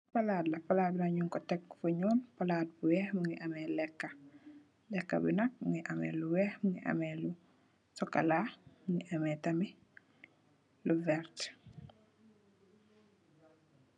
Palaat la, palaat bi nak nung ko tek fi ñuul, palaat bu weeh mungi ameh lekka. Lekka bi nak mungi ameh lu weeh, mungi ameh lu sokola, mungi ameh tamit lu vert.